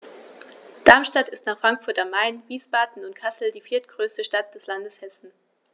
Darmstadt ist nach Frankfurt am Main, Wiesbaden und Kassel die viertgrößte Stadt des Landes Hessen